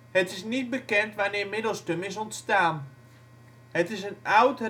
is niet bekend wanneer Middelstum is ontstaan. Het is een oud radiaalvormig